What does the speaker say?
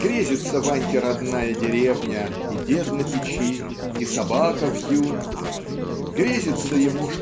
Грезится Ваньке родная деревня, и дед на печи, и собака Вьюн грезится ему